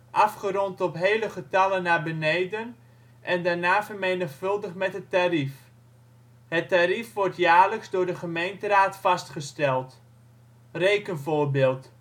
afgerond op hele getallen naar beneden en daarna vermenigvuldigd met het tarief. Het tarief wordt jaarlijks door de gemeenteraad vastgesteld. Rekenvoorbeeld